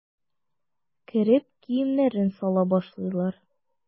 Кереп киемнәрен сала башлыйлар.